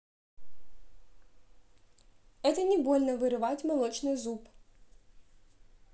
это не больно вырывать молочный зуб